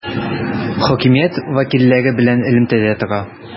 Хакимият вәкилләре белән элемтәдә тора.